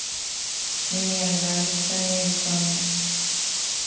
мне нравится американо